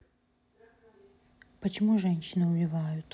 почему женщины убивают